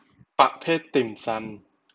ประเภทติ่มซำ